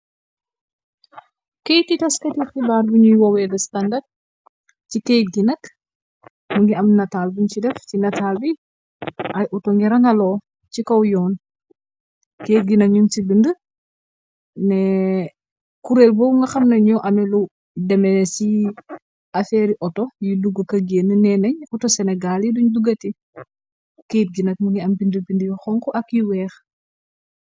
Keyti taskati xibaar biñuy wowee da stàndard ci keyt gi nak mu ngi am nataal buñ ci def ci nataal bi ay auto ngi ranaloo ci kaw yoon keyt gi na ñu ci bind ne kureel bowu nga xam nañoo ame lu demee ci afeeri auto yi dugg kë gen neeneñ oto senegaal yi duñ dugate keyt gi nag mu ngi am bind-bind yu xonk ak yi weex.